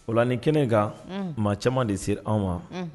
O la ni kɛnɛ in kan, unhun, maa caman de se an ma, unhun